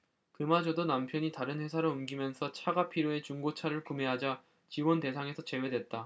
그마저도 남편이 다른 회사로 옮기면서 차가 필요해 중고차를 구매하자 지원대상에서 제외됐다